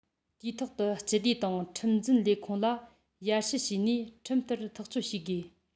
དུས ཐོག ཏུ སྤྱི བདེ དང ཁྲིམས འཛིན ལས ཁུངས ལ ཡར ཞུ བྱས ནས ཁྲིམས ལྟར ཐག གཅོད བྱེད དགོས